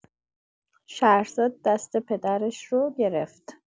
شهرزاد دست پدرش رو گرفت.